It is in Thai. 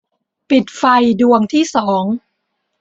ปิดไฟดวงที่สอง